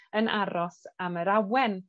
yn aros am yr awen.